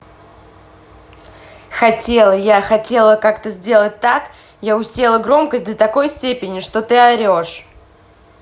хотела я хотела как то сделать так я усела громкость до такой степени что ты орешь